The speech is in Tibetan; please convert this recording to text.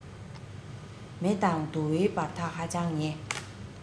མེ དང དུ བའི བར ཐག ཧ ཅང ཉེ